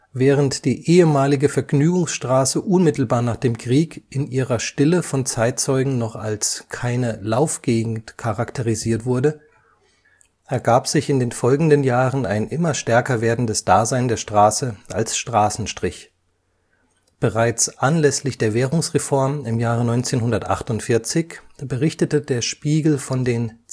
Während die ehemalige Vergnügungsstraße unmittelbar nach dem Krieg in ihrer Stille von Zeitzeugen noch als „ keine Laufgegend “charakterisiert wurde, ergab sich in den folgenden Jahren ein immer stärker werdendes Dasein der Straße als Straßenstrich. Bereits anlässlich der Währungsreform im Jahr 1948 berichtete der Spiegel von den